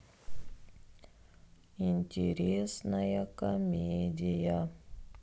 интересная комедия